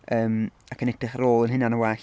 yym, ac yn edrych ar ôl ein hunain yn well.